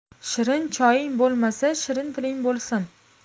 shirin choying bo'lmasa shirin tiling bo'lsin